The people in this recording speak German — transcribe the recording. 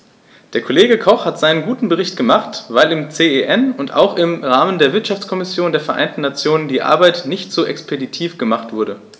Der Kollege Koch hat seinen guten Bericht gemacht, weil im CEN und auch im Rahmen der Wirtschaftskommission der Vereinten Nationen die Arbeit nicht so expeditiv gemacht wurde.